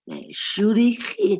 Neu shwt 'y chi?